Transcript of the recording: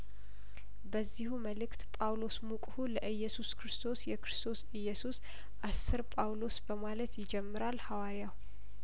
በዚሁ መልእክት ጳውሎስ ሙቁሁ ለኢየሱስ ክርስቶስ የክርስቶስ ኢየሱስ አስር ጳውሎስ በማለት ይጀምራል ሀዋርያው